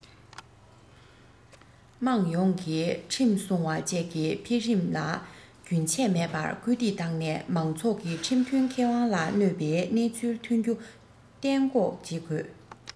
དམངས ཡོངས ཀྱིས ཁྲིམས སྲུང བ བཅས ཀྱི འཕེལ རིམ ལ རྒྱུན ཆད མེད པར སྐུལ འདེད བཏང ནས མང ཚོགས ཀྱི ཁྲིམས མཐུན ཁེ དབང ལ གནོད པའི གནས ཚུལ ཐོན རྒྱུ གཏན འགོག བྱེད དགོས